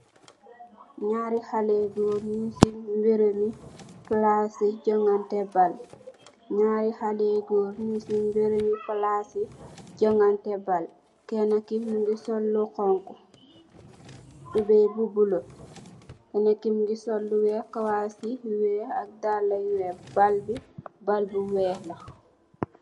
Naari xalex yu goor nyun si berem palaci joganteh baal naari xalex yu goor nyun si berem palaci joganteh baal kena ki mogi sol lu xonxu tubai bu bulo kene ki mogi sol lu weex gawasi yu wexx ak daala yu weex baal bi baal bu weex la.